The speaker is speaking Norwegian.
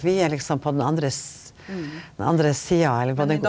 vi er liksom på den andre den andre sida eller på den.